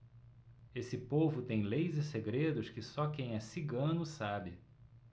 esse povo tem leis e segredos que só quem é cigano sabe